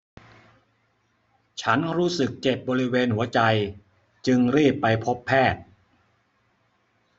ฉันรู้สึกเจ็บบริเวณหัวใจจึงรีบไปพบแพทย์